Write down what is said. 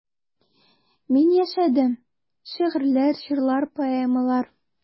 Мин яшәдем: шигырьләр, җырлар, поэмалар.